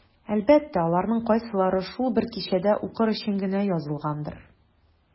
Әлбәттә, аларның кайсылары шул бер кичәдә укыр өчен генә язылгандыр.